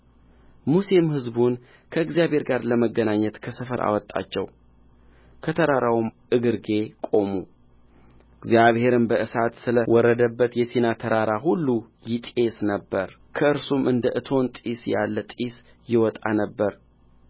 ሙሴም ሕዝቡን ከእግዚአብሔር ጋር ለማገናኘት ከሰፈር አወጣቸው ከተራራውም እግርጌ ቆሙ እግዚአብሔርም በእሳት ስለ ወረደበት የሲና ተራራ ሁሉ ይጤስ ነበር ከእርሱም እንደ እቶን ጢስ ያለ ጢስ ይወጣ ነበር